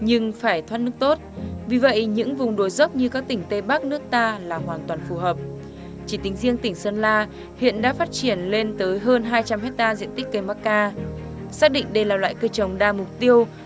nhưng phải thoát nước tốt vì vậy những vùng đồi dốc như các tỉnh tây bắc nước ta là hoàn toàn phù hợp chỉ tính riêng tỉnh sơn la hiện đã phát triển lên tới hơn hai trăm héc ta diện tích cây mắc ca xác định đây là loại cây trồng đa mục tiêu